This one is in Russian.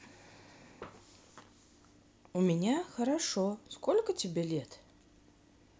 у меня хорошо сколько тебе лет